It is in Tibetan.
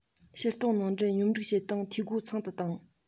ཕྱིར གཏོང ནང འདྲེན སྙོམས སྒྲིག བྱེད སྟངས འཐུས སྒོ ཚང དུ བཏང